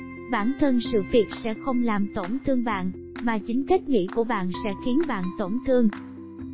bản thân sự việc sẽ không làm tổn thương bạn mà chính cách nghĩ của bạn sẽ khiến bạn tổn thương